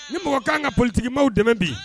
Ni mɔgɔ ka kan ka politigi maaw dɛmɛ bi